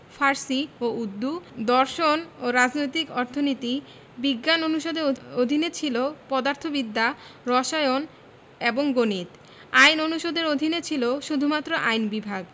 ফার্সি ও উর্দু দর্শন এবং রাজনৈতিক অর্থনীতি বিজ্ঞান অনুষদের অধীনে ছিল পদার্থবিদ্যা রসায়ন এবং গণিত আইন অনুষদের অধীনে ছিল শুধুমাত্র আইন বিভাগ